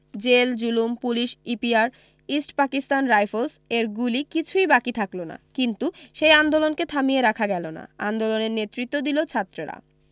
jail জুলুম police EPR East Pakistan Rifles এর গুলি কিছুই বাকি থাকল না কিন্তু সেই আন্দোলনকে থামিয়ে রাখা গেল না আন্দোলনের নেতৃত্ব দিল ছাত্রেরা